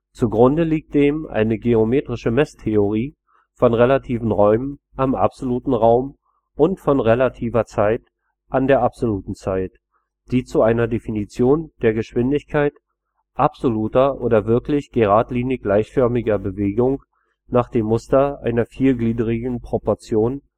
Zugrunde liegt dem eine geometrische Messtheorie von „ relativen Räumen “am absoluten Raum und von „ relativen Zeiten “an der absoluten Zeit, die zu einer Definition der Geschwindigkeit absoluter oder wirklicher geradlinig-gleichförmiger Bewegung nach dem Muster einer viergliedrigen Proportion